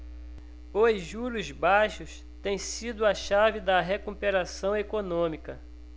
os juros baixos têm sido a chave da recuperação econômica